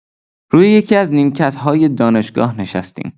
روی یکی‌از نیمکت‌های دانشگاه نشستیم.